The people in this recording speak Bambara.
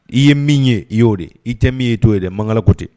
I ye min ye i y'o di i tɛ min ye too ye dɛ manga ko tɛ